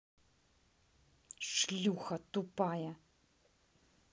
шлюха тупая